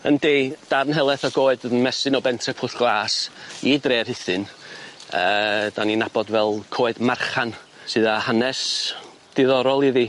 Yndi darn heleth o goed yn mestyn o bentre pwll glas i dre Rhuthun yy 'dan ni'n nabod fel coed marchan sydd â hanes diddorol iddi.